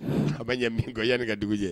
A ma ɲɛ mun kɔ yani ka dugu jɛ